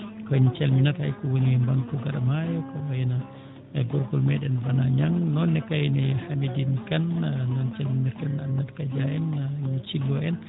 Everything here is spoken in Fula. ko en calminat hay ko woni bantu gaɗa maayo ko wayi no e gorgol meeɗen Bana Niang noon ne kayne Hamedine Kane noon calminirten Aminata Kadia en Thigo en